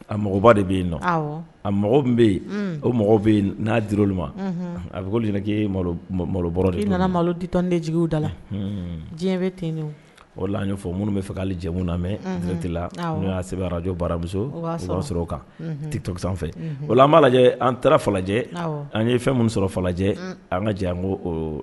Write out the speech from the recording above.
A mɔgɔwba de bɛ yen a mago min bɛ yen o mɔgɔw bɛ yen n'a dir ma a bɛ ko' bɔra de i nana malodidenj da la diɲɛ bɛ o la ɲɛfɔ minnu bɛ fɛ k'ale jɛmu lamɛn mɛ la n'a se araj baramuso sɔrɔ o kan ti to sanfɛ an' lajɛ an taara falajɛ an ye fɛn minnu sɔrɔ falajɛ an ka jɛ an ko